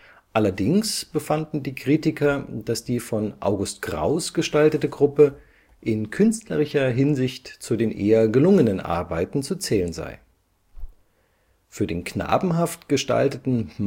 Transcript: Allerdings befanden die Kritiker, dass die von August Kraus gestaltete Gruppe in künstlerischer Hinsicht zu den eher gelungenen Arbeiten zu zählen sei. Für den knabenhaft gestalteten Markgrafen